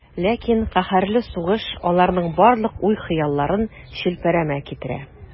Ләкин каһәрле сугыш аларның барлык уй-хыялларын челпәрәмә китерә.